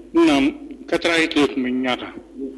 Na ka e to tuma ɲɛta